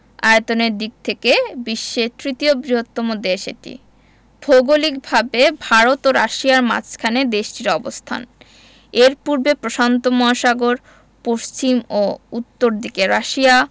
আয়তনের দিক থেকে বিশ্বের তৃতীয় বৃহত্তম দেশ এটি ভৌগলিকভাবে ভারত ও রাশিয়ার মাঝখানে দেশটির অবস্থান এর পূর্বে প্রশান্ত মহাসাগর পশ্চিম ও উত্তর দিকে রাশিয়া